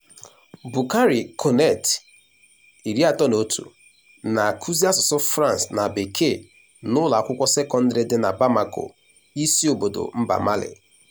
Boukary Konaté, 31, na-akụzi asụsụ France na Bekee n'ụlọ akwụkwọ sekọndịrị dị na Bamako, isi obodo mba Mali.